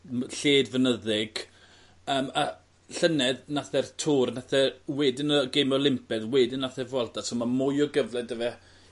m- lled fynyddig yym a llynedd nath e'r Tour nath e wedyn y geme Olympaidd wedyn nath e Vuelta so ma' mwy o gyfle 'dy fe